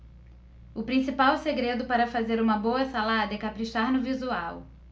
o principal segredo para fazer uma boa salada é caprichar no visual